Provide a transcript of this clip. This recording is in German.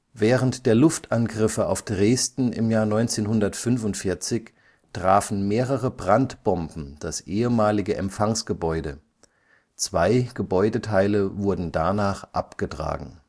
Während der Luftangriffe auf Dresden im Jahr 1945 trafen mehrere Brandbomben das ehemalige Empfangsgebäude; zwei Gebäudeteile wurden danach abgetragen